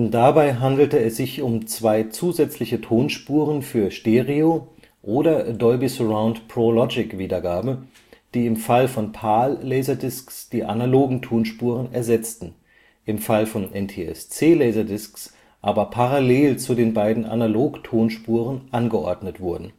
Dabei handelte es sich um zwei zusätzliche Tonspuren für Stereo - oder Dolby Surround Pro Logic-Wiedergabe, die im Fall von PAL-LaserDiscs die analogen Tonspuren ersetzten, im Fall von NTSC-LaserDiscs aber parallel zu den beiden Analogtonspuren angeordnet wurden